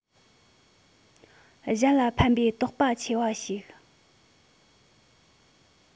གཞན ལ ཕན པའི རྟོག པ ཆེ བ ཞིག